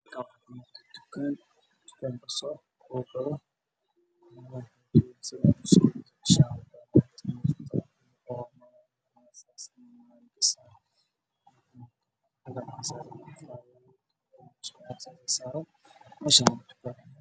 Meeshaan waa dukaan lagu gado macmacaanada